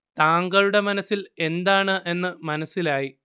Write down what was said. താങ്കളുടെ മനസ്സിൽ എന്താണ് എന്ന് മനസ്സിലായി